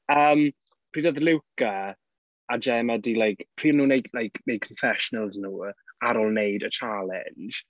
Yym pryd oedd Luca a Gemma 'di like... pryd o'n nhw'n wneud like make confessionals nhw ar ôl wneud y challenge